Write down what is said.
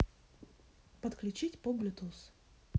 подключить по bluetooth